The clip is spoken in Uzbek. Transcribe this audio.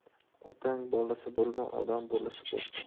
otang bolasi bo'lma odam bolasi bo'l